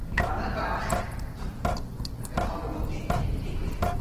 Gawn ni banad bach ag anghofio bo' dim o hyn 'di digwydd.